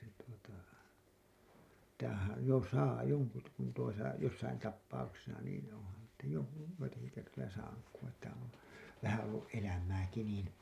se tuota -- jo saa jonkun - kun tuossa jossakin tapauksessa niin onhan sitä - joitakin kertoja saanut kun että on vähän ollut elämääkin niin